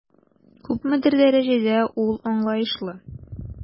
Күпмедер дәрәҗәдә ул аңлаешлы.